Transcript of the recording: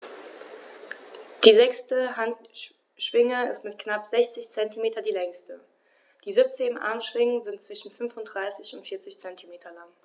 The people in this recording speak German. Die sechste Handschwinge ist mit knapp 60 cm die längste. Die 17 Armschwingen sind zwischen 35 und 40 cm lang.